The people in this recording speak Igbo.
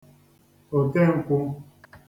òtenkwụ̄